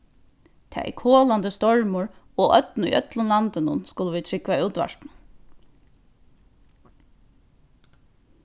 tað er kolandi stormur og ódn í øllum landinum skulu vit trúgva útvarpinum